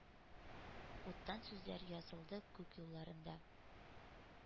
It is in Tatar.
Уттан сүзләр язылды күк юлларында.